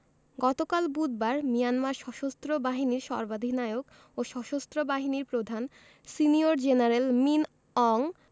গতকাল বুধবার মিয়ানমার সশস্ত্র বাহিনীর সর্বাধিনায়ক ও সশস্ত্র বাহিনীর প্রধান সিনিয়র জেনারেল মিন অং